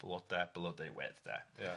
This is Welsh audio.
Bloda Blodeuwedd, 'de? Ia.